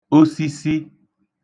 osisi